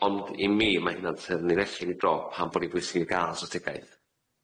ond i mi ma' hynna'n i dro pan bod i'n bwysig i ga'l ystrategaeth.